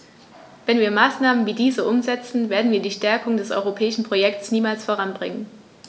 Wenn wir Maßnahmen wie diese umsetzen, werden wir die Stärkung des europäischen Projekts niemals voranbringen.